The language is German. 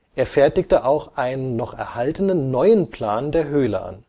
Er fertigte auch einen noch erhaltenen neuen Plan der Höhle an